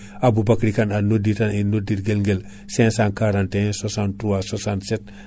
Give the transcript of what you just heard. Aboubacry Kane a noddi tan e noddirguel guel 5416367